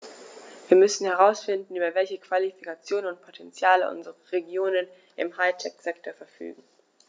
Wir müssen herausfinden, über welche Qualifikationen und Potentiale unsere Regionen im High-Tech-Sektor verfügen.